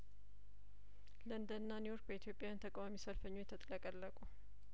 ለንደንና ኒውዮርክ በኢትዮጵያዊያን ተቃዋሚ ሰልፈኞች ተጥለቀለቁ